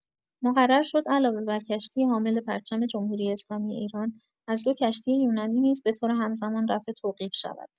مقرر شد علاوه بر کشتی حامل پرچم جمهوری‌اسلامی ایران، از دو کشتی یونانی نیز بطور همزمان رفع توقیف شود.